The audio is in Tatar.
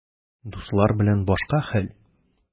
Дуслар белән башка хәл.